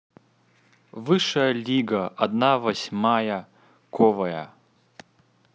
высшая лига одна восьмая ковая